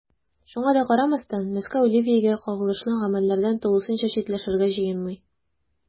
Шуңа да карамастан, Мәскәү Ливиягә кагылышлы гамәлләрдән тулысынча читләшергә җыенмый.